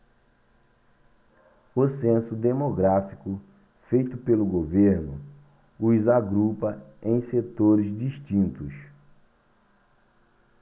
o censo demográfico feito pelo governo os agrupa em setores distintos